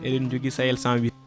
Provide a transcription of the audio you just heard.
eɗen joogui Sayel108